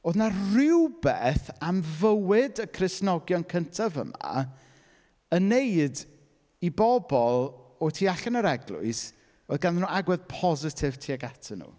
Oedd 'na rywbeth am fywyd y Cristnogion cyntaf yma yn wneud i bobl o tu allan yr Eglwys, oedd ganddyn nhw agwedd positif tuag atyn nhw.